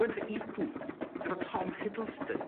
Went to Eton efo Tom Hiddleston.